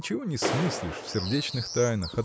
ничего не смыслишь в сердечных тайнах